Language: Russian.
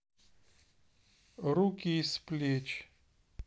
руки из плеч